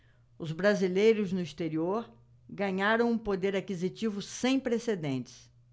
os brasileiros no exterior ganharam um poder aquisitivo sem precedentes